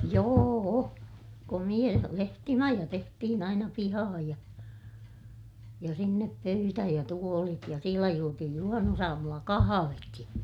joo komea lehtimaja tehtiin aina pihaan ja ja sinne pöytä ja tuolit ja siellä juotiin juhannusaamulla kahvikin